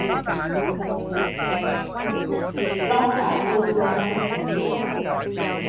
ล็อกประรั้ว